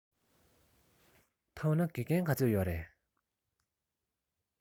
དགེ རྒན ག ཚོད ཡོད ན